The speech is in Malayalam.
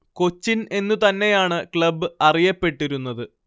കൊച്ചിൻ എന്നു തന്നെയാണ് ക്ലബ് അറിയപ്പെട്ടിരുന്നത്